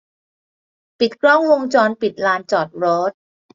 ปิดกล้องวงจรปิดลานจอดรถ